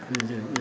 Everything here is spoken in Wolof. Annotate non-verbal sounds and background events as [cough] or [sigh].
jërëjëf [noise]